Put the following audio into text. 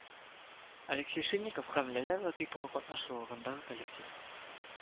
Алексей Шильников һәм Ләлә Латыйпова катнашлыгындагы коллектив